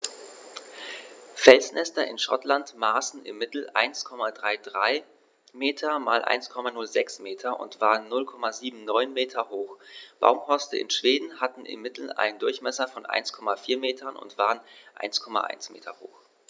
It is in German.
Felsnester in Schottland maßen im Mittel 1,33 m x 1,06 m und waren 0,79 m hoch, Baumhorste in Schweden hatten im Mittel einen Durchmesser von 1,4 m und waren 1,1 m hoch.